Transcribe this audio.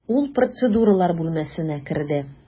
Ул процедуралар бүлмәсенә керде.